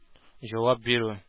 Җавап бирү